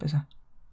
Bysa.